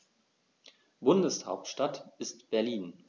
Bundeshauptstadt ist Berlin.